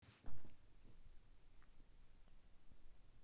включи караоке на ютубе